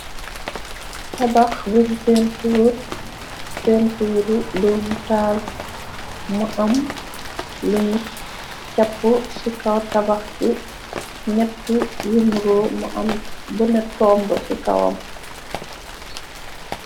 Tabax buñ pentur pentur duomu taal. Mu am luñu càpp ci kaw tabax gi ñett yinro u abunet komb ci kawam.